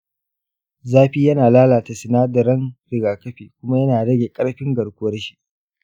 zafi yana lalata sinadaran rigakafi kuma yana rage ƙarfin garkuwar shi.